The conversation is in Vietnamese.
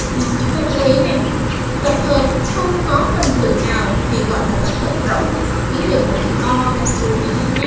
chúng ta chủ yếu nè tập hợp không có phần tử nào thì gọi là tập hợp rỗng ký hiệu là chữ o gạt xuống này